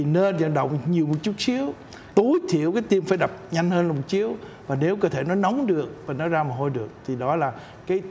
nên vận động nhiều một chút xíu tối thiểu tim phải đập nhanh hơn lùng chiếu và nếu cơ thể nó nóng được nêu ra mồ hôi được thì đó là cái